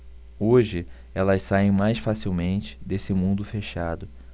hoje elas saem mais facilmente desse mundo fechado